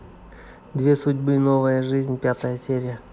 две судьбы новая жизнь пятая серия